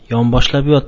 yonboshlab yot